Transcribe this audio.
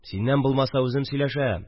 Синнән булмаса, үзем сөйләшәм